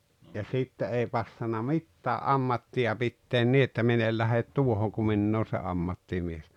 ja sitten ei passannut mitään ammattia pitää niin että minä en lähde tuohon kun minä olen se ammattimies